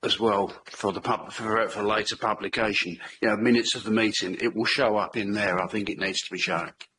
as well for the pub- for err, for later publication. You know, minutes of the meeting, it will show up in there. I think it needs to be shown.